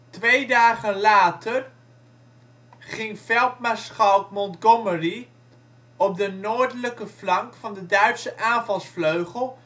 Twee dagen later ging veldmaarschalk Montgomery op de noordelijke flank van de Duitse aanvalsvleugel